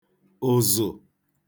ụ̀zụ̀